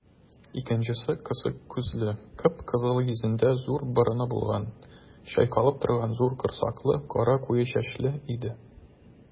Икенчесе кысык күзле, кып-кызыл йөзендә зур борыны булган, чайкалып торган зур корсаклы, кара куе чәчле иде.